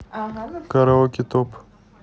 караоке топ